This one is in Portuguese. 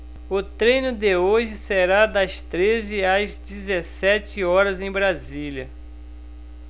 o treino de hoje será das treze às dezessete horas em brasília